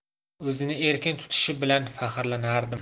o'zini erkin tutishi bilan faxrlanardim